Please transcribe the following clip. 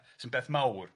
Sy'n beth mawr.